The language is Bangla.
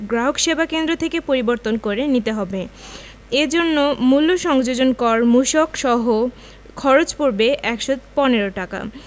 গ্রাহকসেবা কেন্দ্র থেকে পরিবর্তন করে নিতে হবে এ জন্য মূল্য সংযোজন কর মূসক সহ খরচ পড়বে ১১৫ টাকা